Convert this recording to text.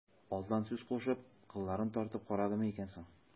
Алдан сүз кушып, кылларын тартып карадымы икән соң...